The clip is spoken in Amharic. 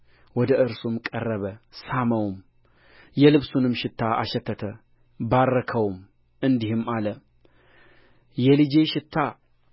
ወደ እርሱም ቀረበ ሳመውም የልብሱንም ሽታ አሸተተ ባረከውም እንዲህም አለ የልጄ ሽታ